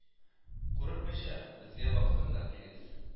Курыкмыйча, безгә вакытында килегез